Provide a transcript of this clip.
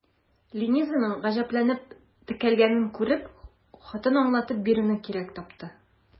Ленизаның гаҗәпләнеп текәлгәнен күреп, хатын аңлатып бирүне кирәк тапты.